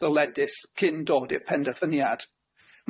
ddyledus cyn dod i'r penderfyniad.